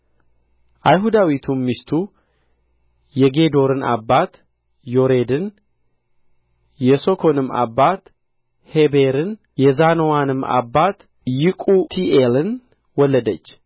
አይሁዳዊቱም ሚስቱ የጌዶርን አባት ዬሬድን የሦኮንም አባት ሔቤርን የዛኖዋንም አባት ይቁቲኤልን ወለደች